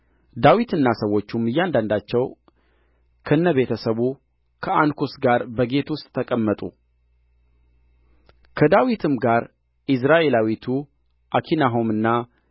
ዳዊትና ሰዎቹም እያንዳንዳቸው ከነ ቤተ ሰቡ ከአንኩስ ጋር በጌት ውስጥ ተቀመጡ ከዳዊትም ጋር ኢይዝራኤላዊቱ አኪናሆምና